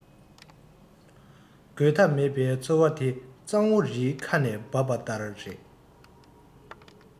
རྒོལ ཐབས མེད པའི ཚོར བ དེ གཙང བོ རི ཁ ནས འབབ པ ལྟར རེད